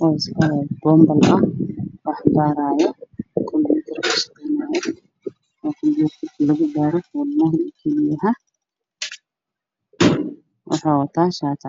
Waa sawir xayeysiis waa nin computer ku fadhiya oo kursiga ku fadhiya computer isticmaalaya oo shaati